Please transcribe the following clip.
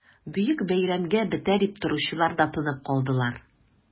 Бөек бәйрәмгә бетә дип торучылар да тынып калдылар...